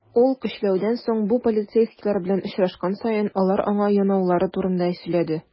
Ул, көчләүдән соң, бу полицейскийлар белән очрашкан саен, алар аңа янаулары турында сөйләде.